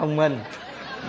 thông minh